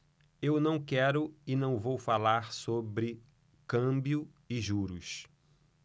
eu não quero e não vou falar sobre câmbio e juros